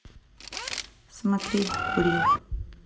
смотреть закурил